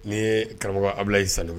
N'i ye karamɔgɔ a bɛ y'i san